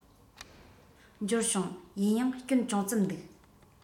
འབྱོར བྱུང ཡིན ཡང སྐྱོན ཅུང ཙམ འདུག